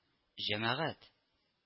— җәмәгать